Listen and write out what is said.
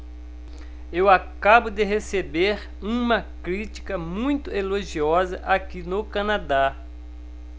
eu acabo de receber uma crítica muito elogiosa aqui no canadá